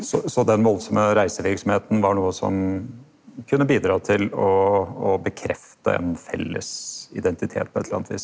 så så den veldige reiseverksemda var noko som kunne bidrege til å å bekrefte ein felles identitet på eit eller anna vis?